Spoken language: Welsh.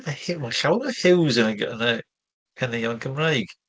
Ma' Huw, mae llawer o Huws yn y g- yn y caneuon Cymraeg.